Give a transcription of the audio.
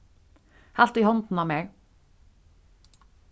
halt í hondina á mær